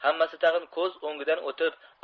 hammasi tag'in ko'z o'ngidan o'tib